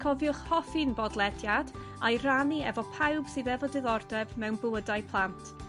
Cofiwch hoffi'n bodlediad a'i rhannu efo pawb sydd efo diddordeb mewn bywydau plant.